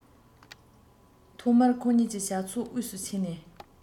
ལྰ དོ དགོང རང ཡོང གི ཡིན པས རྒྱལ པོས ཁྱི དང ཞུམ བུ ཚང མ བཅུག